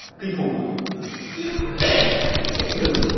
kinh khủng ạ cũng được